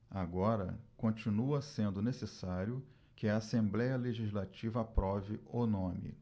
agora continua sendo necessário que a assembléia legislativa aprove o nome